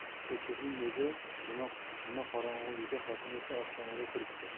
asadbekning o'zi nimqorong'i uyda xotini esa ostonada turibdi